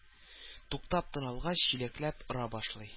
Туктап тын алгач, чиләкләп ора башлый